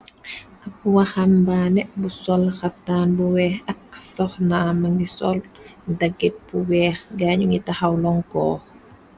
Ap waxa'mbani bu sol xaptan bu wèèx ak soxnam ma ngi sol dagit bu wèèx gayi ñu ngi taxaw lonko.